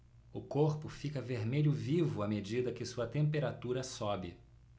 o corpo fica vermelho vivo à medida que sua temperatura sobe